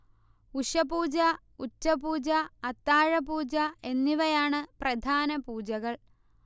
ഉഷഃപൂജ, ഉച്ചപൂജ, അത്താഴപൂജ എന്നിവയാണ് പ്രധാന പൂജകൾ